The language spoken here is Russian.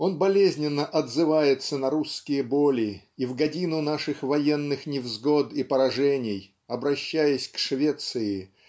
Он болезненно отзывается на русские боли и в годину наших военных невзгод и поражений обращаясь к Швеции